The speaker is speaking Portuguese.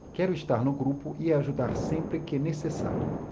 quero estar no grupo e ajudar sempre que necessário